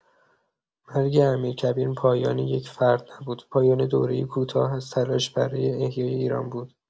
مرگ امیرکبیر پایان یک فرد نبود، پایان دوره‌ای کوتاه از تلاش برای احیای ایران بود.